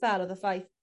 fel o'dd y ffaith